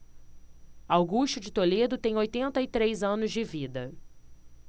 augusto de toledo tem oitenta e três anos de vida